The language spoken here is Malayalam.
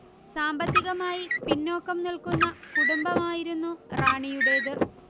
സാമ്പത്തികമായി പിന്നോക്കം നിൽക്കുന്ന കുടുംബമായിരുന്നു റാണിയുടേത്